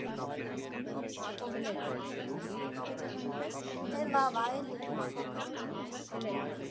Դե լավ ա էլի։